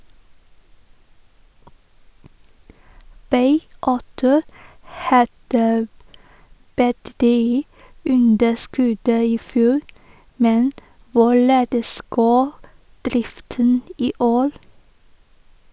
- Bay Auto hadde betydelig underskudd i fjor, men hvorledes går driften i år?